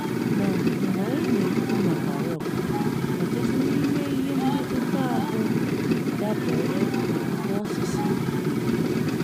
Na mgbe anyị na-ekwu maka Rock, ọtụtụ n'ime ihe mmetụta ahụ dabere n'asụsụ Bekee.